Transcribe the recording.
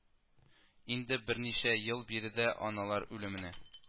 Инде берничә ел биредә аналар үлеменә